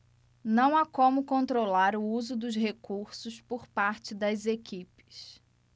não há como controlar o uso dos recursos por parte das equipes